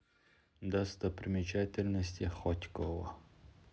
достопримечательности хотьково